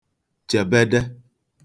chèbede